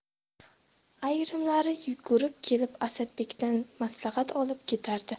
ayrimlari yugurib kelib asadbekdan maslahat olib ketardi